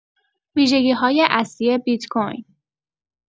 ویژگی‌های اصلی بیت‌کوین